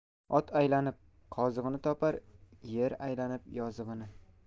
ot aylanib qozig'ini topar er aylanib yozig'ini